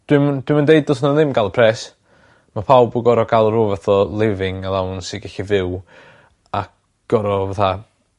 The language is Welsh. dwi'm yn dwi'm yn deud dylsen n'w ddim ga'l pres ma' pawb w- gor'o' gal rw fath o living allownance i gellu fyw ac fyw a gor'o' fatha